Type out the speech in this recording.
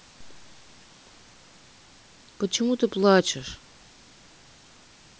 почему ты плачешь